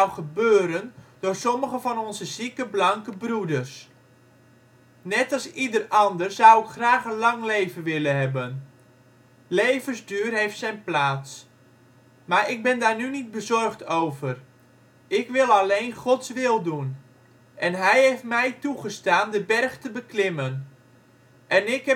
gebeuren door sommige van onze zieke blanke broeders... Net als ieder ander, zou ik graag een lang leven willen hebben. Levensduur heeft zijn plaats, maar ik ben daar nu niet bezorgd over. Ik wil alleen Gods wil doen. En Hij heeft mij toegestaan de berg te beklimmen. En ik